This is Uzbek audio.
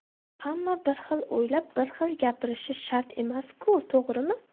hamma bir xil o'ylab bir xil gapirishi shart emas ku to'g'rimi